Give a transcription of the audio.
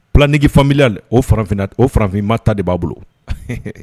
Planning familial o farafinna d o farafinma ta de b'a bolo